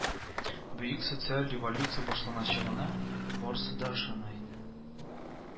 Бөек социаль революция башланачагына барысы да ышана иде